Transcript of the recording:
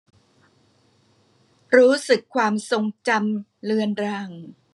รู้สึกความทรงจำเลือนราง